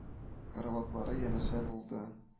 Караватлары янәшә булды